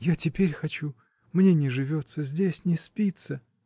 — Я теперь хочу, мне не живется здесь, не спится.